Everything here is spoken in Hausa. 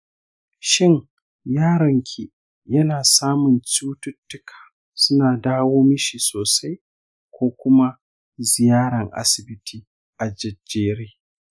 shin yaron ki yana samun cututtuka suna dawo mishi sosai ko kuma ziyaran asibiti a jejjere?